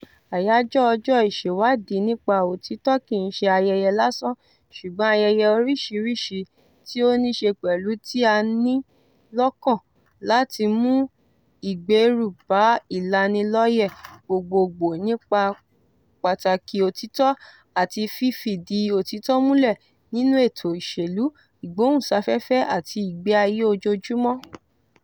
Àyájọ́ Ọjọ́-Ìṣèwádìí nípa Òtítọ́ kì í ṣe ayẹyẹ lásán, ṣùgbọ́n ayẹyẹ oríṣìíríṣìí tí ó níṣe pẹ̀lú tí a ní lọ́kàn láti mú ìgbèrú bá ìlanilọ́yẹ̀ gbogbogbò nípa pàtàkì òtítọ́ -- àti fífìdí-òtítọ́-múlẹ̀--- nínúètò òṣèlú, ìgbóhùnsáfẹ́fẹ́, àti ìgbé ayé ojoojúmọ́.